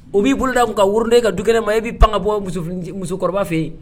U b'i boloda ka wu woroden ka du kelen ma i b bɛi pan ka bɔ musokɔrɔba fɛ yen